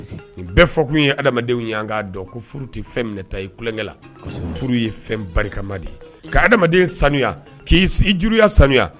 Bɛɛ fɔ tun yedama dɔn ko tɛ fɛn minɛ ta i kukɛ furu ye fɛn barikama ye ka adama sanuya k'i i juruya sanuya